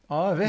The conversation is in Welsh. O ife?